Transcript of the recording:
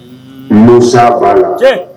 Musa banna